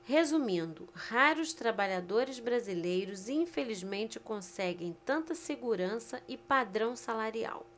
resumindo raros trabalhadores brasileiros infelizmente conseguem tanta segurança e padrão salarial